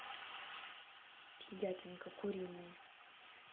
пиздятинка куриные